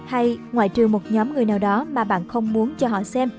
hay ngoại trừ nhóm người nào đó mà bạn không muốn cho họ xem